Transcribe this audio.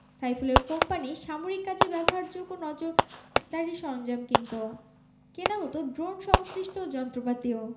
সাইফুলের কোম্পানি সামরিক কাজে ব্যবহারযোগ্য নজরদারি সরঞ্জাম কিনত কেনা হতো ড্রোন সংশ্লিষ্ট যন্ত্রপাতিও